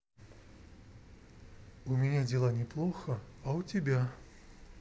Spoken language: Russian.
у меня дела не плохо а у тебя